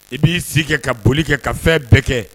I b'i si kɛ ka boli kɛ ka fɛn bɛɛ kɛ